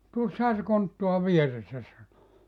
tuossahan se konttaa vieressä sanoi